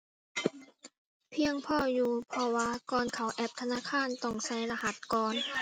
เพียงพออยู่ เพราะว่าก่อนเข้าแอปธนาคารต้องใส่รหัสก่อน